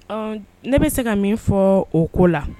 Ɔ ne bɛ se ka min fɔ o ko la